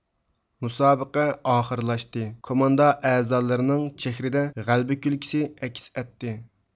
مۇسابىقە ئاخىرلاشتى كوماندا ئەزالىرىنىڭ چېھرىدە غەلىبە كۈلكىسى ئەكس ئەتتى